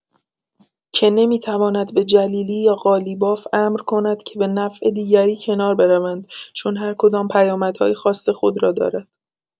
که نمی‌تواند به جلیلی یا قالیباف امر کند که به نفع دیگری کنار بروند، چون هر کدام پیامدهای خاص خود را دارد.